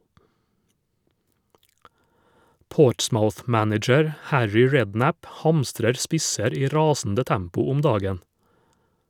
Portsmouth-manager Harry Redknapp hamstrer spisser i rasende tempo om dagen.